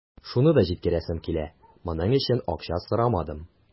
Шуны да җиткерәсем килә: моның өчен акча сорамадым.